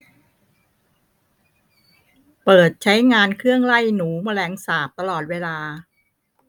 เปิดใช้งานเครื่องไล่หนูแมลงสาบตลอดเวลา